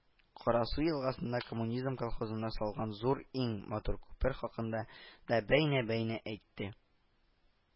Карасу елгасында, Коммунизм колхозына салынган зур иң матур күпер хакында да бәйнә-бәйнә әйтте